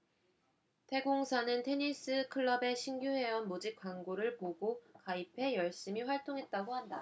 태 공사는 테니스 클럽의 신규 회원 모집 광고를 보고 가입해 열심히 활동했다고 한다